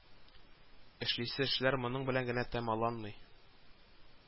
Эшлисе эшләр моның белән генә тәмаланмый